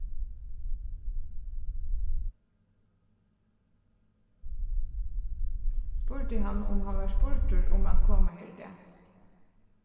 spurdi hann um hann var spurdur um at koma her í dag